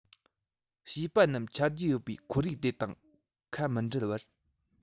བྱིས པ རྣམས ཆ རྒྱུས ཡོད པའི ཁོར ཡུག དེ དང ཁ མི འབྲལ བར